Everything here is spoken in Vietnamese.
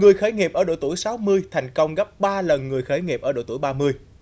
người khởi nghiệp ở độ tuổi sáu mươi thành công gấp ba lần người khởi nghiệp ở độ tuổi ba mươi